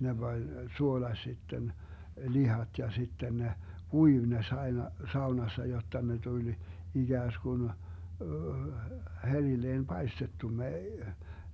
ne pani suolasi sitten lihat ja sitten ne kuivui ne - aina saunassa jotta ne tuli ikään kuin herilleen paistettu me